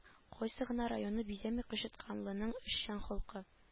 Кайсы гына районны бизәми кычытканлының эшчән халкы